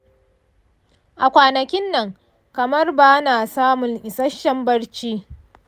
a kwanakin nan, kamar ba na samun isasshen barci.